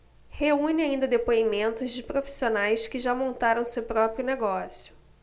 reúne ainda depoimentos de profissionais que já montaram seu próprio negócio